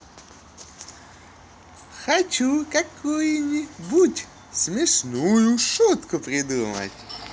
хочу какую нибудь смешную шутку придумай